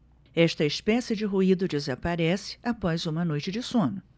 esta espécie de ruído desaparece após uma noite de sono